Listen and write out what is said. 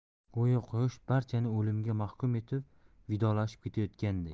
go'yo quyosh barchani o'limga mahkum etib vidolashib ketayotganday